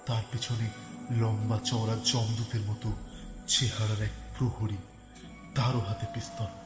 তার পেছনে লম্বা-চওড়া যমদূতের মত চেহারার এক প্রহরী তারও হাতে পিস্তল